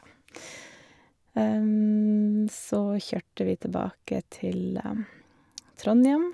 Så kjørte vi tilbake til Trondhjem.